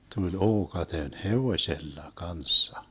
tuli ookaten hevosella kanssa